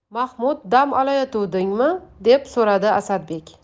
mahmud dam olayotuvdingmi deb so'radi asadbek